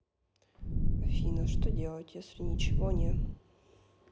афина что делать если ничего не